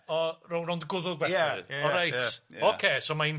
O row- rownd y gwddwg felly. Ia. o reit. Ocê so mae'n...